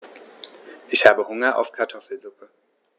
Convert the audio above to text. Ich habe Hunger auf Kartoffelsuppe.